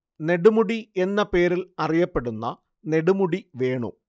നെടുമുടി എന്ന പേരിൽ അറിയപ്പെടുന്ന നെടുമുടി വേണു